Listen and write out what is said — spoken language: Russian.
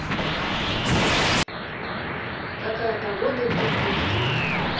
какая погода в якутске